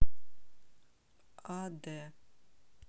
а д